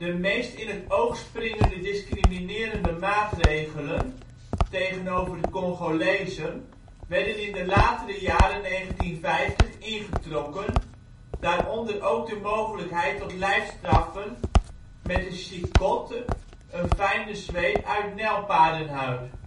meest in het oog springende discriminerende maatregelen tegenover de Congolezen werden in de latere jaren 1950 ingetrokken (daaronder ook de mogelijkheid tot lijfstraffen met de ' chicotte '- een fijne zweep uit nijlpaardenhuid). In